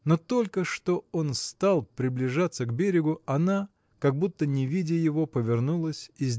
но только что он стал приближаться к берегу она как будто не видя его повернулась и